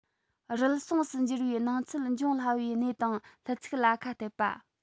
རུལ སུངས སུ འགྱུར བའི སྣང ཚུལ འབྱུང སླ བའི གནས དང ལྷུ ཚིགས ལ ཁ གཏད པ